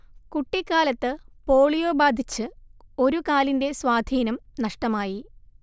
കുട്ടിക്കാലത്ത് പോളിയോ ബാധിച്ച് ഒരു കാലിന്റെ സ്വാധീനം നഷ്ടമായി